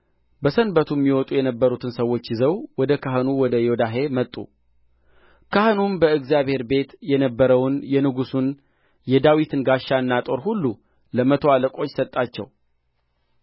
በሰንበቱም ይወጡ የነበሩትን ሰዎች ይዘው ወደ ካህኑ ወደ ዮዳሄ መጡ ካህኑም በእግዚአብሔር ቤት የነበረውን የንጉሡን የዳዊትን ጋሻና ጦር ሁሉ ለመቶ አለቆች ሰጣቸው